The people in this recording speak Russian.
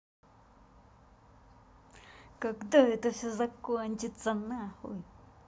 когда это все закончится нахуй